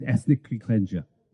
Ethnically clensio.